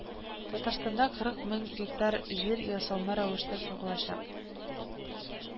Татарстанда кырык мең гектар җир ясалма рәвештә сугарылачак